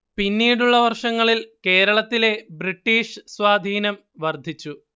പിന്നീടുള്ള വർഷങ്ങളിൽ കേരളത്തിലെ ബ്രിട്ടീഷ് സ്വാധീനം വർദ്ധിച്ചു